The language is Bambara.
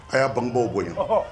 A y'a bangebaw bonya wa